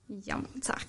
Iawn 'ta.